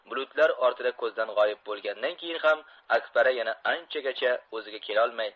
bulutlar ortida ko'zdan g'oyib bo'lgandan keyin ham akbara yana anchagancha o'ziga kelolmay